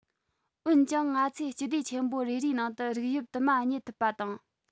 འོན ཀྱང ང ཚོས སྤྱི སྡེ ཆེན པོ རེ རེའི ནང དུ རིགས དབྱིབས དུ མ རྙེད ཐུབ པ དང